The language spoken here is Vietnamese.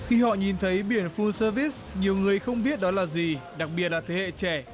khi họ nhìn thấy biển phu sơ vít nhiều người không biết đó là gì đặc biệt là thế hệ trẻ